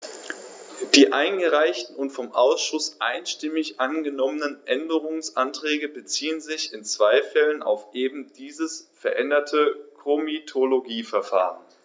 Die eingereichten und vom Ausschuss einstimmig angenommenen Änderungsanträge beziehen sich in zwei Fällen auf eben dieses veränderte Komitologieverfahren.